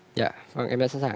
dạ vâng em đã sẵn sàng ạ